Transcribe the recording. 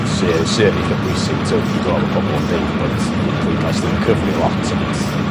sy sy yn eitha pwysig t'wo' dwi gwo ma' pobol yn deud bod un pleidlais ddim yn cyfri lot ont